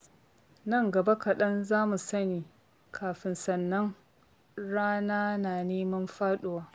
Nan gaba kaɗan za mu sani. Kafin sannan, rana na neman faɗuwa.